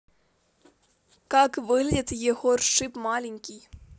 как выглядит егор шип маленький